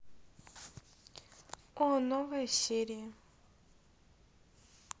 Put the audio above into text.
о новая серия